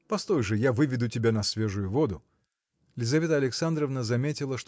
Постой же, я выведу тебя на свежую воду. Лизавета Александровна заметила